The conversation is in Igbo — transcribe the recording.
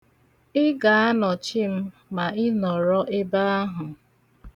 Ị ga-anọchi m ma ị nọrọ ebe ahụ.